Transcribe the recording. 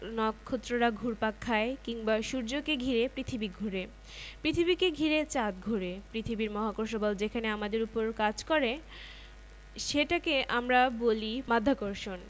3.2 মৌলিক বলের প্রকৃতিঃ পৃথিবীতে কত ধরনের বল আছে জিজ্ঞেস করা হলে তোমরা নিশ্চয়ই বলবে অনেক ধরনের কোনো কিছুকে যদি ধাক্কা দিই সেটা একটা বল